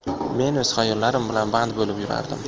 men o'z xayollarim bilan band bo'lib yurardim